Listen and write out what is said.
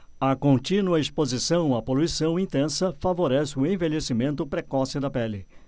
a contínua exposição à poluição intensa favorece o envelhecimento precoce da pele